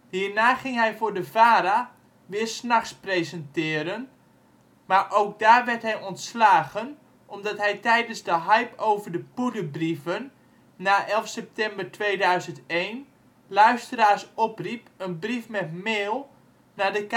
Hierna ging hij voor de VARA weer ' s nachts presenteren, maar ook daar werd hij ontslagen omdat hij tijdens de hype over de poederbrieven na 11 september 2001 luisteraars opriep een brief met meel naar